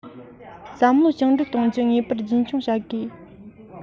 བསམ བློ བཅིངས འགྲོལ གཏོང རྒྱུ ངེས པར དུ རྒྱུན འཁྱོངས བྱ དགོས